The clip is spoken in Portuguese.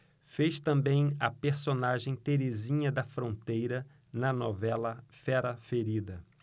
fez também a personagem terezinha da fronteira na novela fera ferida